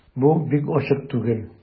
Бу бик ачык түгел...